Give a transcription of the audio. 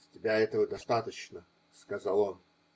-- С тебя этого достаточно, -- сказал он.